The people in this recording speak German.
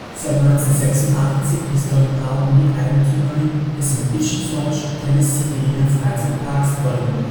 Seit 1986 ist Dolly Parton Miteigentümerin des in Pigeon Forge, Tennessee gelegenen Freizeitparks „ Dollywood